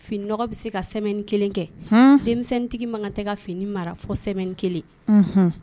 Fini bɛ se ka sɛbɛni kelen kɛ denmisɛntigi man ka tɛ ka fini mara fo sɛ kelen